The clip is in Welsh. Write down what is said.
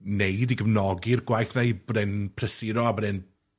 neud i gefnogi'r gwaith 'na i bod e'n prysuro a bod e'n